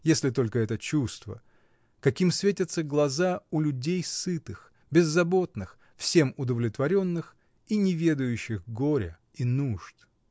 если только это чувство, каким светятся глаза у людей сытых, беззаботных, всем удовлетворенных и не ведающих горя и нужд.